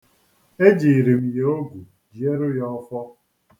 E jiiri m ya ogù, jiiere ya ọfọ.